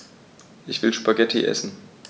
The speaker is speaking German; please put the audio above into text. Ich will Spaghetti essen.